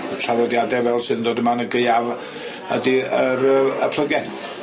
Y traddodiade fel sydd yn dod yma yn gaeaf ydi yr yy y plygen.